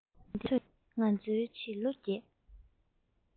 ཐོན ཏེ ང ཚོའི བྱིས བློ རྒྱས